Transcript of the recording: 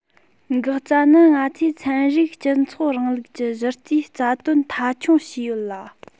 འགག རྩ ནི ང ཚོས ཚན རིག སྤྱི ཚོགས རིང ལུགས ཀྱི གཞི རྩའི རྩ དོན མཐའ འཁྱོངས བྱས ཡོད ལ